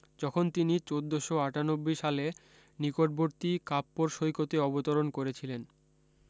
যখন তিনি চোদ্দশ আটানব্বি সালে নিকটবর্তী কাপ্পড় সৈকতে অবতরণ করেছিলেন